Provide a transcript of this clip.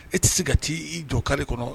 E tɛ se ka taa i jɔ kari kɔnɔ